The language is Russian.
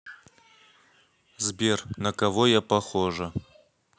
сбер на кого я похожа